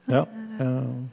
ja .